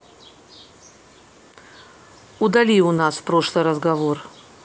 удали у нас в прошлый разговор